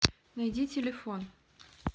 найди телефон